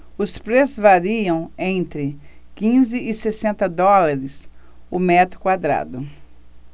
os preços variam entre quinze e sessenta dólares o metro quadrado